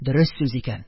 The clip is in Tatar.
Дөрес сүз икән